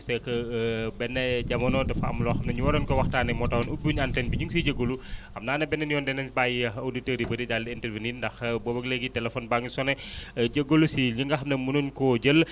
c' est que benn jamono dafa am loo xam ne ñoo doon ko waxtaanee moo taxoon ubbiwuñu antenne bi ñu ngi siy jégalu xam naa ne beneen yoon dinañ bàyyi auditeurs yi di daal di intervenir ndax boobaag léegi téléphoe baa ngi sonné jégalu si li nga xam ne mënuñ ko jël